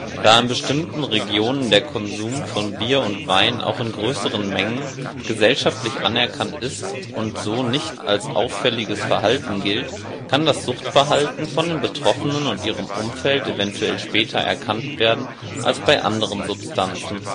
Da in bestimmten Regionen der Konsum von Bier und Wein auch in größeren Mengen gesellschaftlich anerkannt ist und so nicht als auffälliges Verhalten gilt, kann das Suchtverhalten von den Betroffenen und ihrem Umfeld eventuell später erkannt werden als bei anderen Substanzen